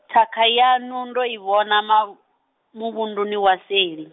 thakha yaṋu ndo i vhona ma-, muvhunduni wa seli.